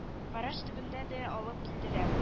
Гараж төбенә дә алып килделәр